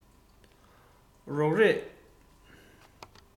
རོགས རེས